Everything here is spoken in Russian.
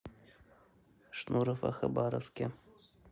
шнуров о хабаровске